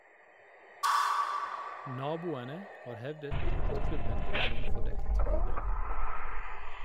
Naboene har hevdet at klubben er en fordekt bordell.